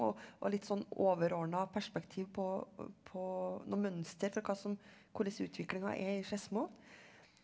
og og litt sånn overordna perspektiv på på noen mønster for hva som hvordan utviklinga er i Skedsmo.